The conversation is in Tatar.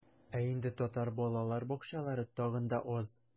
Ә инде татар балалар бакчалары тагын да аз.